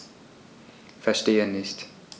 Verstehe nicht.